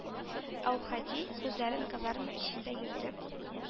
Әүхәди, күзләрен казарма эчендә йөртеп: